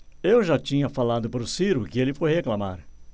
eu já tinha falado pro ciro que ele foi reclamar